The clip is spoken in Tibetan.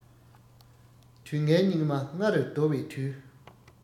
དུས ངན སྙིགས མ ལྔ རུ བདོ བའི དུས